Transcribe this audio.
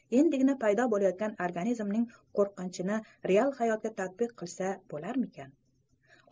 endigina paydo bo'layotgan organizmning qo'rqinchini real hayotga tadbiq qilsa bo'larmikin